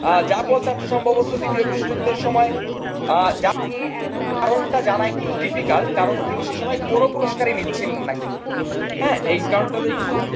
Jean Paul Sartre সম্ভবত দ্বিতীয় বিশ্বযুদ্ধের সময় কারণটা জানা একটু ডিফিকাল্ট কারণ তিনি সে সময় কোন পুরস্কারই লিখছিলেন না কিন্তু এই কারন টাতে একটু